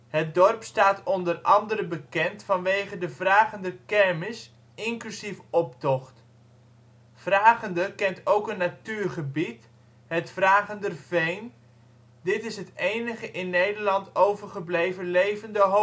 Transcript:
Het dorp staat onder andere bekend vanwege de Vragender Kermis inclusief optocht. Vragender kent ook een natuurgebied, het Vragenderveen. Dit is het enige in Nederland overgebleven levende